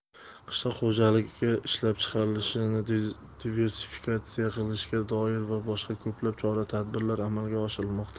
qishloq xo'jaligi ishlab chiqarishini diversifikatsiya qilishga doir va boshqa ko'plab chora tadbirlar amalga oshirilmoqda